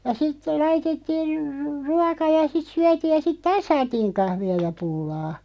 ja sitten laitettiin -- ruoka ja sitten syötiin ja sitten taas saatiin kahvia ja pullaa